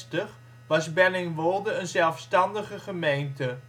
was Bellingwolde een zelfstandige gemeente